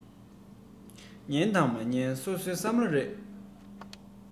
ཉན དང མ ཉན སོ སོའི བསམ བློ རེད